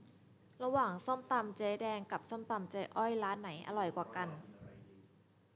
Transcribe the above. ระหว่างส้มตำเจ๊แดงกับส้มตำเจ๊อ้อยร้านไหนอร่อยกว่ากัน